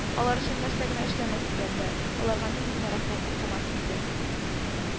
Алар өчен нәрсә генә эшләмәс идем дә аларга нинди генә рәхмәт укымас идем